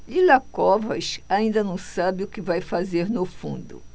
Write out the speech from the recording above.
lila covas ainda não sabe o que vai fazer no fundo